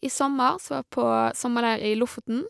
I sommer så var jeg på sommerleir i Lofoten.